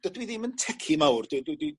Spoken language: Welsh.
dydw i ddim yn teci mawr dwi dwi dwi